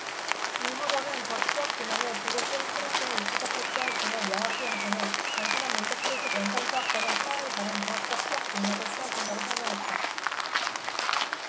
이 학원은 각 수학 개념을 교구 게임 토론 등의 입체적 활동을 통해 명확히 형성해 단순한 문제풀이식 연산수학과는 차원이 다른 종합적 수학능력을 키워준다고 설명했다